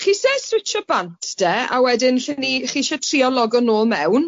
Chi 'sie switsio bant de a wedyn 'llen ni chi 'sie trio logo nôl mewn?